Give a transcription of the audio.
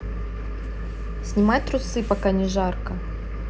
снимай трусы пока не жарко